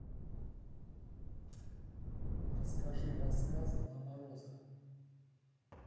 расскажи рассказ два мороза